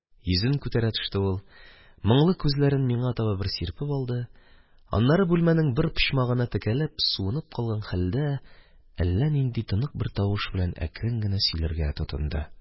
Йөзен күтәрә төште ул, моңлы күзләрен миңа таба бер сирпеп алды, аннары, бүлмәнең бер почмагына текәлеп суынып калган хәлдә, әллә нинди тонык бер тавыш белән әкрен генә сөйләргә тотынды: